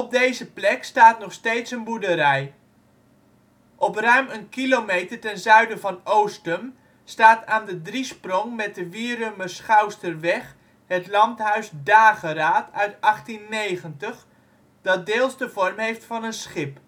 deze plek staat nog steeds een boerderij (Oostumerweg 29). Op ruim een kilometer ten zuiden van Oostum staat aan de driesprong met de Wierumerschouwsterweg het landhuis Dageraad uit 1890, dat deels de vorm heeft van een schip